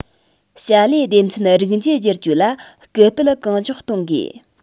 བྱ ལས སྡེ ཚན རིགས འབྱེད བསྒྱུར བཅོས ལ སྐུལ སྤེལ གང མགྱོགས གཏོང དགོས